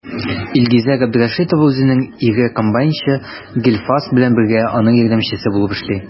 Илгизә Габдрәшитова үзенең ире комбайнчы Гыйльфас белән бергә, аның ярдәмчесе булып эшли.